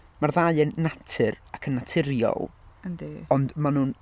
Mae'r ddau yn natur ac yn naturiol... Yndi... Ond mae nhw'n...